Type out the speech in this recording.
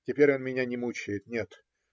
Теперь он меня не мучает, нет.